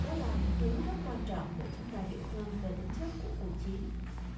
đó là những thứ rất quan trọng để chúng ta hiểu hơn về tính chất của cuộc chiến